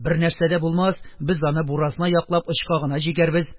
Бернәрсә дә булмас, без аны буразна яклап очка гына җигәрбез